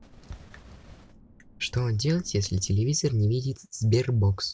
что делать если телевизор не видит sberbox